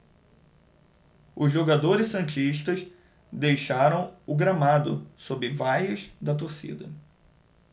os jogadores santistas deixaram o gramado sob vaias da torcida